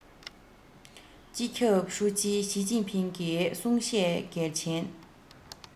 སྤྱི ཁྱབ ཧྲུའུ ཅི ཞིས ཅིན ཕིང གི གསུང བཤད གལ ཆེན